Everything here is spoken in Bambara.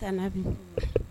A taa bin